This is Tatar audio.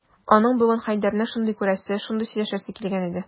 Аның бүген Хәйдәрне шундый күрәсе, шундый сөйләшәсе килгән иде...